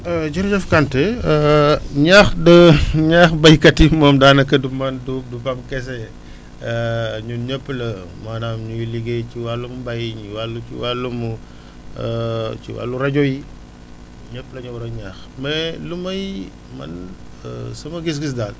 jërëjëf Kanté ñaax ñaax béykat yi moom daanaka pour man du PAM kese ñun ñëpp la maanaam ñuy liggéey ci wàllum mbay ñi wàllu wçllum ci wàllu rajo yi ñëpp la ñu war a ñaax mais lu may man sama gis-gis daal